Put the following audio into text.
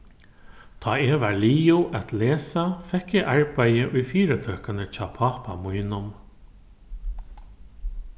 tá eg var liðug at lesa fekk eg arbeiði í fyritøkuni hjá pápa mínum